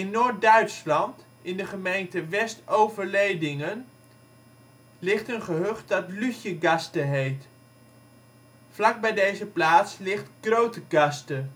noord-Duitsland, in de gemeente Westoverledingen, ligt een gehucht dat Lütjegaste heet. Vlakbij deze plaats ligt Grotegaste